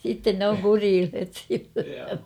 sitten ne on kureilleet siitä